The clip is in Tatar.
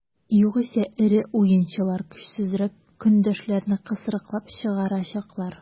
Югыйсә эре уенчылар көчсезрәк көндәшләрне кысрыклап чыгарачаклар.